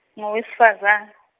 ngo weSifazane.